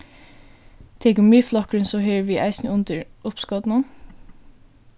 tekur miðflokkurin so hervið eisini undir uppskotinum